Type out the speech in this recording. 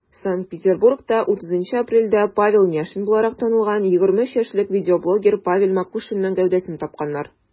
Санкт-Петербургта 30 апрельдә Павел Няшин буларак танылган 23 яшьлек видеоблогер Павел Макушинның гәүдәсен тапканнар.